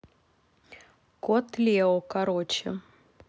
кот лео короче